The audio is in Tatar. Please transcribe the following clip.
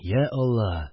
Йа алла